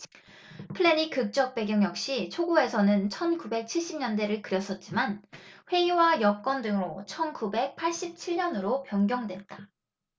플래닛극적 배경 역시 초고에서는 천 구백 칠십 년대를 그렸었지만 회의와 여건 등으로 천 구백 팔십 칠 년으로 변경됐다